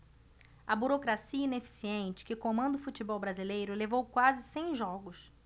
a burocracia ineficiente que comanda o futebol brasileiro levou quase cem jogos